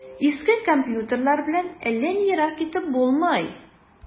Иске компьютерлар белән әллә ни ерак китеп булмый.